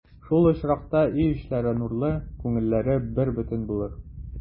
Шул очракта өй эчләре нурлы, күңелләре бербөтен булыр.